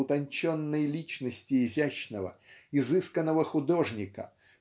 в утонченной личности изящного изысканного художника